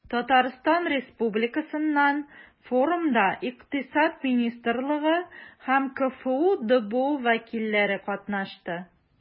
Татарстан Республикасыннан форумда Икътисад министрлыгы һәм КФҮ ДБУ вәкилләре катнашты.